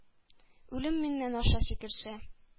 Үлем миннән аша сикерсә,